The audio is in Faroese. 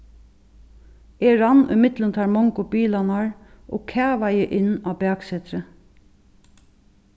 eg rann ímillum teir mongu bilarnar og kavaði inn á baksetrið